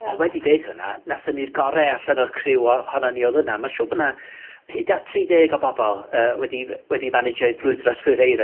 On' wedi dweud hwnna, nathon ni'r gore allan o'r criw ohonon ni odd yna, a ma' siŵr bo' 'na hyd at tri deg o bobol yy wedi fy- wedi manejio i brwydro trwy'r eira...